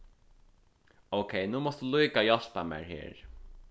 ókey nú mást tú líka hjálpa mær her